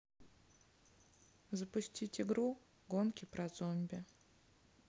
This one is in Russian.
запустить игру гонки про зомби